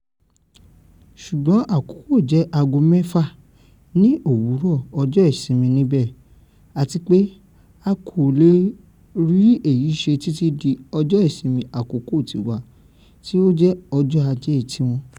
"Ṣùgbọ́n àkókò jẹ́ ààgo mẹ́fà ní òwúrọ̀ ọjọ́ ìsinmi níbẹ̀ àti pé a kò ní le rí èyí ṣe títí di ọjọ́ ìsinmi àkókò tiwa, tí ó jẹ́ ọjọ́ aje tiwọn.